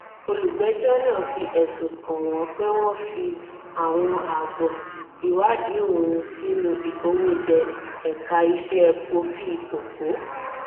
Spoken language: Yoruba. Olùgbẹ́jọ́ náà fi ẹ̀sùn kan wọ́n pé wọ́n fi àwọn àbọ̀ ìwádìí òun sínú ìkówójẹ ẹ̀ka iṣẹ́ kọfí kòkó.